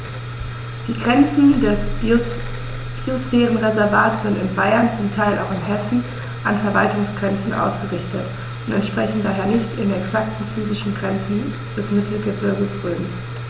Die Grenzen des Biosphärenreservates sind in Bayern, zum Teil auch in Hessen, an Verwaltungsgrenzen ausgerichtet und entsprechen daher nicht exakten physischen Grenzen des Mittelgebirges Rhön.